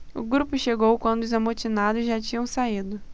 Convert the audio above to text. o grupo chegou quando os amotinados já tinham saído